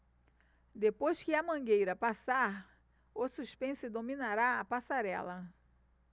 depois que a mangueira passar o suspense dominará a passarela